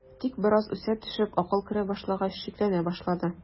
Тик бераз үсә төшеп акыл керә башлагач, шикләнә башлады.